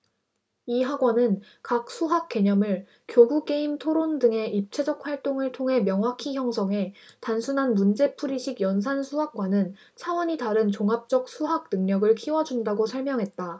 이 학원은 각 수학 개념을 교구 게임 토론 등의 입체적 활동을 통해 명확히 형성해 단순한 문제풀이식 연산수학과는 차원이 다른 종합적 수학능력을 키워준다고 설명했다